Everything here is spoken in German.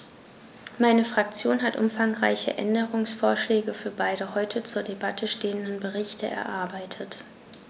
Meine Fraktion hat umfangreiche Änderungsvorschläge für beide heute zur Debatte stehenden Berichte erarbeitet.